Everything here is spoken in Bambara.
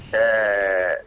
Ɛɛ